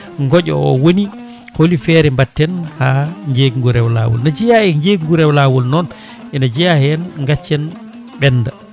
gooƴa o woni hooli feere mbatten ha jeygu ngu rewa lawol ne jeeya e jeygu ngu rewa lawol noon ene jeeya hen gaccen ɓenda